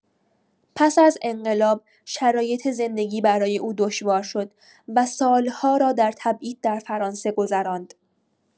پس از انقلاب، شرایط زندگی برای او دشوار شد و سال‌ها را در تبعید در فرانسه گذراند.